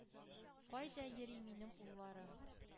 Кайда йөри минем улларым?